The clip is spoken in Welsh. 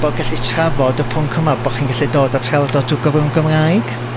bo' gallu trafod y pwnc yma bo' chi'n gallu dod a trafod o trw gyfrwng Gymraeg.